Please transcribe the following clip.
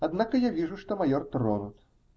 Однако, я вижу, что майор тронут.